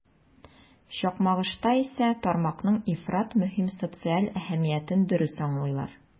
Чакмагышта исә тармакның ифрат мөһим социаль әһәмиятен дөрес аңлыйлар.